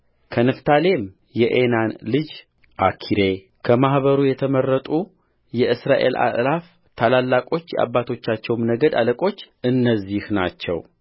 ከንፍታሌም የዔናን ልጅ አኪሬከማኅበሩ የተመረጡ የእስራኤል አእላፍ ታላላቆች የአባቶቻቸው ነገድ አለቆች እነዚህ ናቸው